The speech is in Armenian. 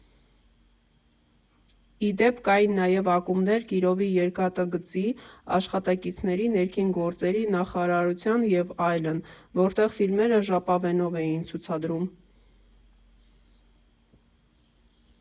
Ի դեպ, կային նաև ակումբներ՝ Կիրովի, Երկաթգծի աշխատակիցների, Ներքին գործերի նախարարության և այլն, որտեղ ֆիլմերը ժապավենով էին ցուցադրում։